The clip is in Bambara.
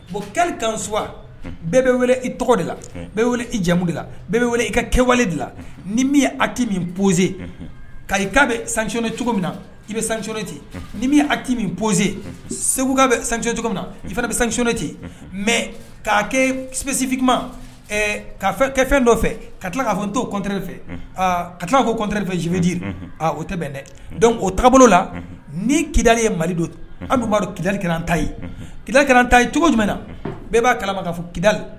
Bon kari tans bɛɛ bɛ wele i tɔgɔ de la bɛɛ wele i jɛmmu de la bɛɛ bɛ wele i ka kɛwale de la ni min ati min pozsee ka i ka bɛ sancɔn cogo min na i bɛ sancɔnti ni min ati min posee segu ka bɛ sancɔn cogo min na i fana bɛ sancɔn ci mɛ k'a kɛsifi kuma ka kɛfɛn dɔ fɛ ka tila k kaa fɔ n too kɔnte de fɛ ka tilala ko kɔnrɛefɛ zbiji o tɛ bɛn dɛ dɔnku o taabolo la ni kidali ye mali dondu bbaa kili kɛ ta ye ki kɛran ta ye cogo jumɛn na bɛɛ b'a kalamaka fɔ kidali